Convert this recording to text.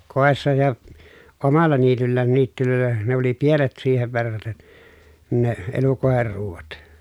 kodissa ja omalla niityllään niityillä ne oli pienet siihen verraten ne elukoiden ruuat